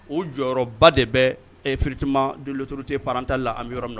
O jɔyɔrɔba de bɛ fitima donloorourutee paranta la an bɛ yɔrɔ minna